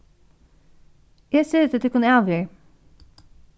eg seti tykkum av her